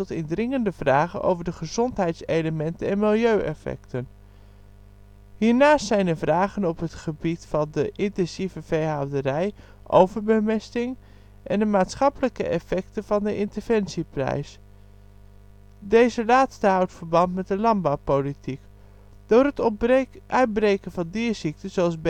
indringende vragen over de gezondheidseffecten en de milieueffecten. Hiernaast zijn er vragen op het gebied van de intensieve veehouderij, overbemesting en de maatschappelijke effecten van de interventieprijs. Deze laatste houdt verband met de landbouwpolitiek. Door het uitbreken van dierziekten zoals